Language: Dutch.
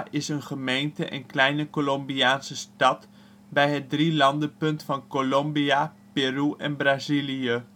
is een gemeente en kleine Colombiaanse stad bij het drielandenpunt van Colombia, Peru en Brazilië